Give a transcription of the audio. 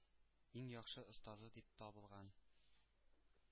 Иң яхшы остазы дип табылган.